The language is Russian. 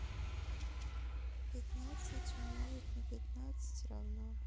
пятнадцать умножить на пятнадцать равно